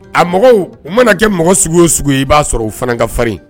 A mɔgɔw u mana kɛ mɔgɔ sugu o sugu i b'a sɔrɔ u fana ka farin